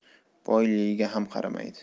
boyligiga ham qaramaydi